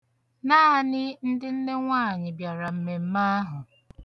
Naanị ndị nnenwaànyị̀ bịara mmemme ahụ.